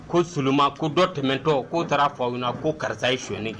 Koma ko dɔ tɛmɛntɔ k'o taara fɔ aw na ko karisa ye sonni kɛ